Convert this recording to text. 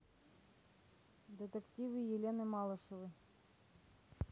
детективы елены малышевой